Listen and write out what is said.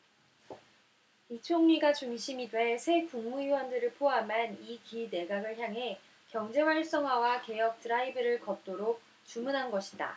이 총리가 중심이 돼 새 국무위원들을 포함한 이 기 내각을 향해 경제활성화와 개혁 드라이브를 걸도록 주문한 것이다